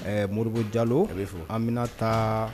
Ɛɛ Modibo jalo, un, ɛ Aminata